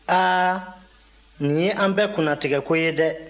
a nin ye an bɛɛ kunnatigɛko ye dɛ